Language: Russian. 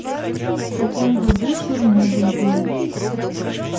в каком году чернобыль был